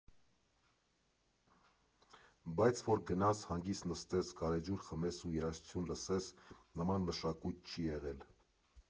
Բայց որ գնաս, հանգիստ նստես, գարեջուր խմես ու երաժշտություն լսես, նման մշակույթ չի եղել։